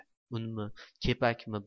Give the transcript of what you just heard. unmi kepakmi